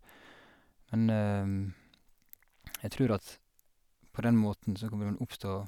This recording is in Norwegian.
Men jeg tror at på den måten så kommer en oppstå...